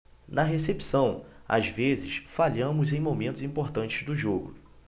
na recepção às vezes falhamos em momentos importantes do jogo